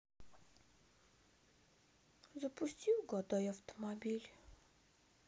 запусти угадай автомобиль